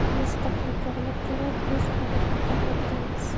yuz qopni bog'lab bo'lar yuz og'izni bog'lab bo'lmas